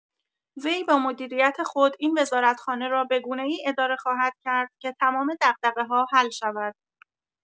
وی با مدیریت خود این وزارتخانه را به گونه‌ای اداره خواهد کرد که تمام دغدغه‌ها حل شود.